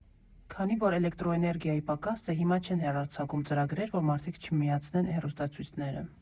Քանի որ էլեկտրոէներգիայի պակաս է, հիմա չեն հեռարձակում ծրագրեր, որ մարդիկ չմիացնեն հեռուստացույցները։